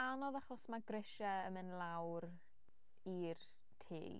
Anodd, achos ma' grisiau yn mynd lawr i'r tŷ.